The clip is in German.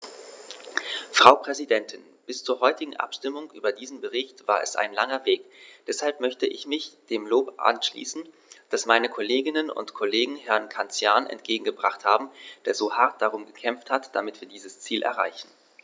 Frau Präsidentin, bis zur heutigen Abstimmung über diesen Bericht war es ein langer Weg, deshalb möchte ich mich dem Lob anschließen, das meine Kolleginnen und Kollegen Herrn Cancian entgegengebracht haben, der so hart darum gekämpft hat, damit wir dieses Ziel erreichen.